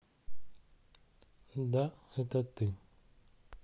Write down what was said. да это ты